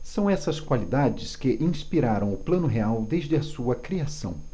são essas qualidades que inspiraram o plano real desde a sua criação